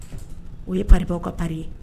O ye pabaww ka pa ye